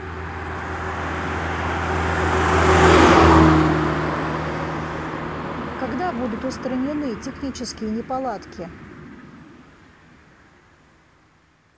когда будут устранены технические неполадки